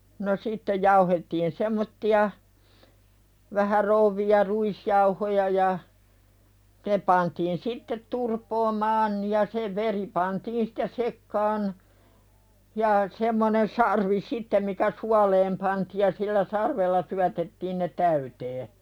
no sitten jauhettiin semmoisia vähän rouveja ruisjauhoja ja ne pantiin sitten turpoamaan ja se veri pantiin sitten sekaan ja semmoinen sarvi sitten mikä suoleen pantiin ja sillä sarvella syötettiin ne täyteen